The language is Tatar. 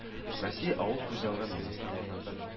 Россия Авыл хуҗалыгы министрлыгыннан бер